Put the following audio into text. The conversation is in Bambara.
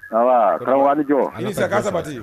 Anba, karamɔgɔ a' ni jɔ i ni sɛ k'an sabaliti